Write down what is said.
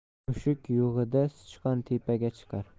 mushuk yo'g'ida sichqon tepaga chiqar